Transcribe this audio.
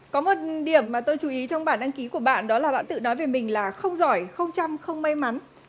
có một điểm điểm mà tôi chú ý trong bản đăng ký của bạn đó là bạn tự nói về mình là không giỏi không chăm không may mắn